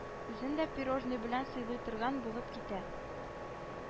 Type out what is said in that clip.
Үзен дә пирожный белән сыйлый торган булып китә